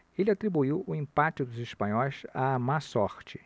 ele atribuiu o empate dos espanhóis à má sorte